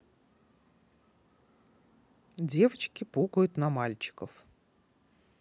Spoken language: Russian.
девочки пукают на мальчиков